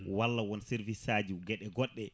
walla won service saji gueɗe goɗɗe